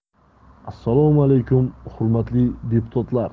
assalomu alaykum hurmatli deputatlar